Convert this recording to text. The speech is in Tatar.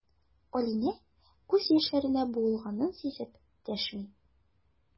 Алинә күз яшьләренә буылганын сизеп дәшми.